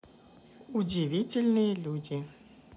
удивительные люди